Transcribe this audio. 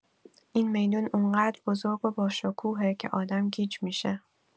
این می‌دون اونقدر بزرگ و باشکوهه که آدم گیج می‌شه.